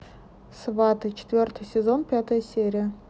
сваты четвертый сезон пятая серия